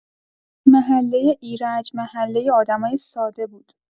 محله ایرج محله آدمای ساده بود.